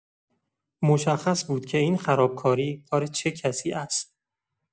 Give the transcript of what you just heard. مشخص بود که این خراب‌کاری کار چه کسی است.